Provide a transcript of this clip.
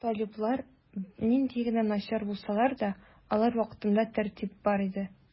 Талиблар нинди генә начар булсалар да, алар вакытында тәртип бар иде.